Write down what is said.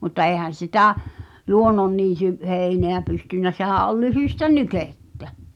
mutta eihän sitä luonnonniityn heinää pystynyt sehän oli lyhyttä nykettä